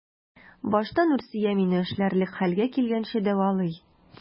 Башта Нурсөя мине эшләрлек хәлгә килгәнче дәвалый.